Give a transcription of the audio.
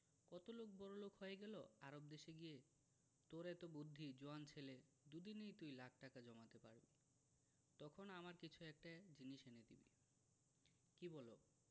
কত লোক বড়লোক হয়ে গেল আরব দেশে গিয়ে তোর এত বুদ্ধি জোয়ান ছেলে দুদিনেই তুই লাখ টাকা জমাতে পারবি তখন আমার কিছু একটা জিনিস এনে দিবি কি বলো